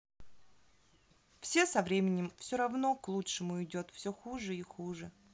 все со временем все равно к лучшему идет все хуже и хуже